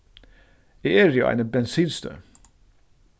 eg eri á eini bensinstøð